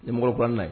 Niɛmakɔrɔkurani na ye